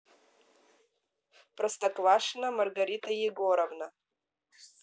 простоквашино маргарита егоровна